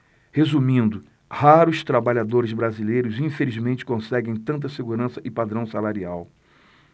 resumindo raros trabalhadores brasileiros infelizmente conseguem tanta segurança e padrão salarial